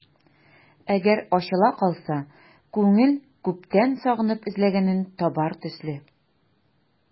Әгәр ачыла калса, күңел күптән сагынып эзләгәнен табар төсле...